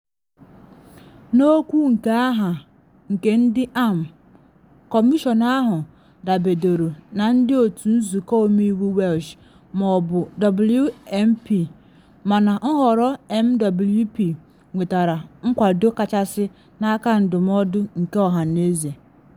N’okwu nke aha nke ndị AM, Kọmịshọn ahụ dabedoro na Ndị Otu Nzụkọ Ọmeiwu Welsh ma ọ bụ WMP, mana nhọrọ MWP nwetara nkwado kachasị n’aka ndụmọdụ nke ọhaneze.